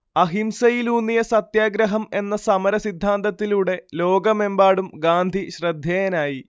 അഹിംസയിലൂന്നിയ സത്യാഗ്രഹം എന്ന സമര സിദ്ധാന്തത്തിലൂടെ ലോകമെമ്പാടും ഗാന്ധി ശ്രദ്ധേയനായി